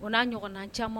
O n'a ɲɔgɔnna caman